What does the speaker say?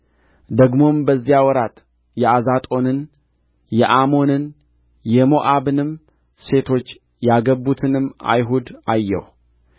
ደግሞም በዚያ ወራት የአዛጦንና የአሞንን የሞዓብንም ሴቶች ያገቡትን አይሁድ አየሁ